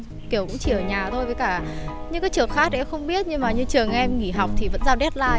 kiểu cũng chỉ ở nhà thôi với cả những cái trường khác thì em không biết nhưng mà như trường em nghỉ học thì vẫn giao đét lai ạ